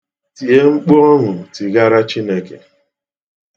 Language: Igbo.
Tie mkpu ọṅụ tigara Chineke.